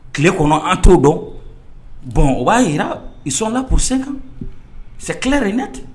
Tile kɔnɔ an t'o dɔn bɔn u b'a jira i sɔnla' sen kan tila yɛrɛ i na ten